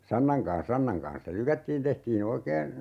sannan kanssa sannan kanssa se lykättiin tehtiin oikein